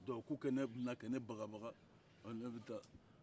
donc k'u ka ne minɛ ka bagabaga o mana kɛ ne bɛ taa